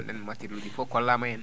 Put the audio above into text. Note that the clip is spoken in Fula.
ndeen matériel fof kollaama heen